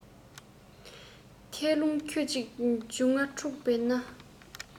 ཐད རླུང འཁྱུག ཅིང འབྱུང ལྔ འཁྲུགས པས ན